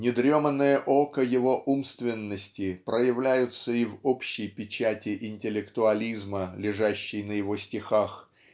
недреманное око его умственности проявляются и в общей печати интеллектуализма лежащей на его стихах